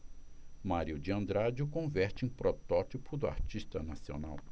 mário de andrade o converte em protótipo do artista nacional